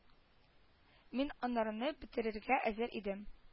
Мин анарны бетеререгә әзер идем